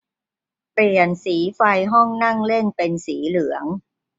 เปลี่ยนสีไฟห้องนั่งเล่นเป็นสีเหลือง